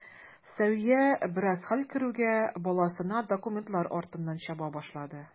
Сәвия, бераз хәл керүгә, баласына документлар артыннан чаба башлады.